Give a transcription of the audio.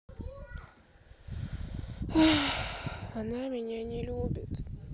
она меня не любит